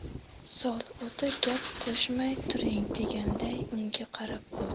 soli ota gap qo'shmay turing deganday unga qarab oldi